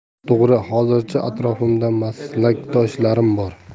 to'g'ri hozircha atrofimda maslakdoshlarim bor